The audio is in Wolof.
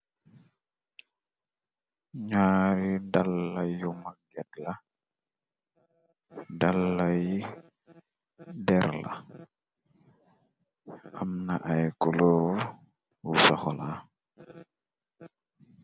Naari dala yu magget la dala yi der la amna ay culoo bu cxocola.